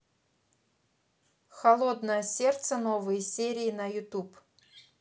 холодное сердце новые серии на ютуб